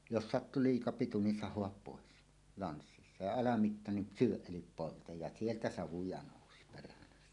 jos sattui liika pitu niin sahaa pois lanssissa ja alamitta niin syö eli polta ja sieltä savuja nousi perhanasti